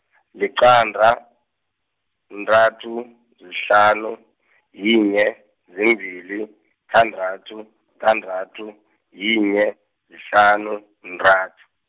liqanda, kuthathu, zihlanu, yinye, zimbili, thandathu, thandathu, yinye, zihlanu, kuthathu.